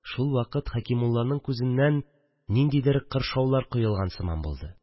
Шулвакыт Хәкимулланың күзеннән ниндидер кыршаулар коелган сыман булды